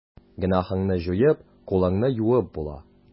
Гөнаһыңны җуеп, кулыңны юып була.